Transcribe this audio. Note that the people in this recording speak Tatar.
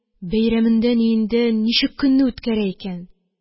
Бәйрәмендә-ниендә ничек көнне үткәрә икән?